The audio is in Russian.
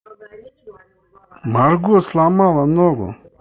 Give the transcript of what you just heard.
марго сломала ногу